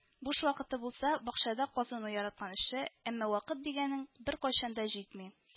Буш вакыты булса бакчада казыну яраткан эше, әмма вакыт дигәнең беркайчан да җитми